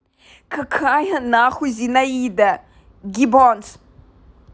какая нахуй зинаида gibbons